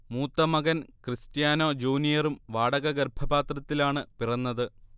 മൂത്ത മകൻ ക്രിസ്റ്റ്യാനൊ ജൂനിയറും വാടക ഗർഭപാത്രത്തിലാണ് പിറന്നത്